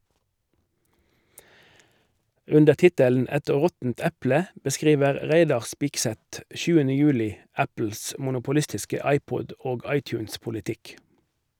Under tittelen "Et råttent eple" beskriver Reidar Spigseth 7. juli Apples monopolistiske iPod- og iTunes-politikk.